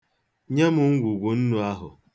Nye m ngwugwu nnu ahụ.